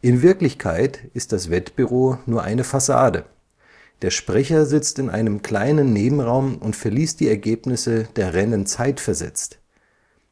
In Wirklichkeit ist das Wettbüro nur eine Fassade, der Sprecher sitzt in einem kleinen Nebenraum und verliest die Ergebnisse der Rennen zeitversetzt,